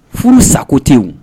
Furusa ko te yen.